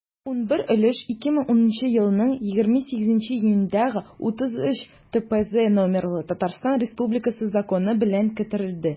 11 өлеш 2010 елның 28 июнендәге 33-трз номерлы татарстан республикасы законы белән кертелде.